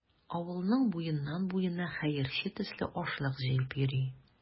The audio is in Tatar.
Авылның буеннан-буена хәерче төсле ашлык җыеп йөри.